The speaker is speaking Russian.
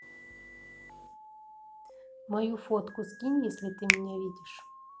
мою фотку скинь если ты меня видишь